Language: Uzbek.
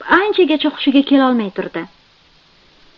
anchagacha hushiga kelolmay turdi